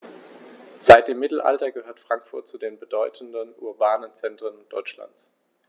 Seit dem Mittelalter gehört Frankfurt zu den bedeutenden urbanen Zentren Deutschlands.